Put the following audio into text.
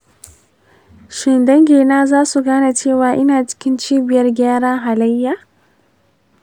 shin dangina za su sani cewa ina cikin cibiyar gyaran halayya?